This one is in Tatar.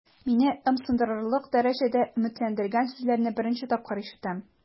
Мине ымсындырырлык дәрәҗәдә өметләндергән сүзләрне беренче тапкыр ишетәм.